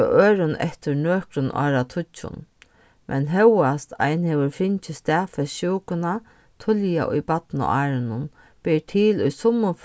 hjá øðrum eftir nøkrum áratíggjum men hóast ein hevur fingið staðfest sjúkuna tíðliga í barnaárunum ber til í summum